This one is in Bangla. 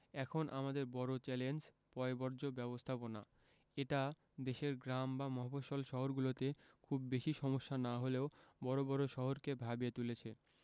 এখন আমাদের বড় চ্যালেঞ্জ পয়ঃবর্জ্য ব্যবস্থাপনা এটা দেশের গ্রাম বা মফস্বল শহরগুলোতে খুব বেশি সমস্যা না হলেও বড় বড় শহরকে ভাবিয়ে তুলেছে